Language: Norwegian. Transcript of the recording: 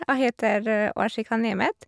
Jeg heter Orsika Nemeth.